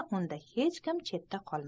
unda hech kim chetda qolmaydi